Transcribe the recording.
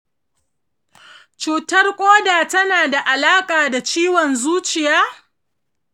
cutar ƙoda tana da alaƙa da ciwon zuciya?